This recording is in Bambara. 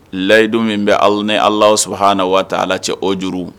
Layidu min bɛ al ni ala sɔrɔ hhaana waa ala cɛ oj